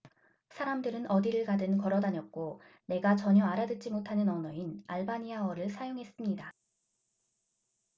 사람들은 어디를 가든 걸어 다녔고 내가 전혀 알아듣지 못하는 언어인 알바니아어를 사용했습니다